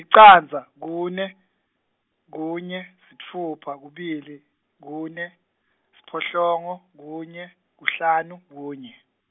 licandza, kune, kunye, sitfupha, kubili, kune, siphohlongo, kunye, kuhlanu, kunye.